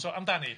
So amdani?